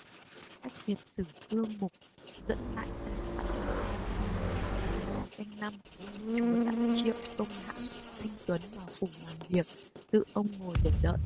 sách việt sử cương mục dẫn lại giai thoại như sau khi mới tới canh năm chúa đã triệu công hãng anh tuấn vào phủ bàn việc tự ông ngồi để đợi